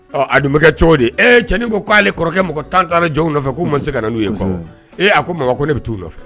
Ɔ a numukɛkɛ cogo di cɛnin ko k'ale kɔrɔkɛ mɔgɔ tan taara jɔn nɔfɛ k' ma se ka na n'u ye ee a ko ko ne bɛ t'u nɔfɛ